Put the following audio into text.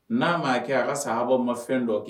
N'a maa kɛ a ka sanbɔ ma fɛn dɔ kɛ